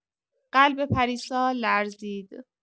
قلب پریسا لرزید.